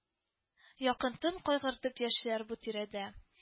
Якынтын кайгыртып яшиләр бу тирәдә